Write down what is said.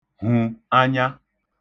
hwù anya